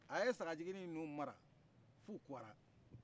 a ye sagajigini nunu mara f'u kɔkɔra